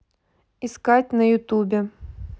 искать на ютубе